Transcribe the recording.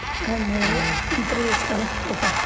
Yn yy yn drist ofnadwy 'de.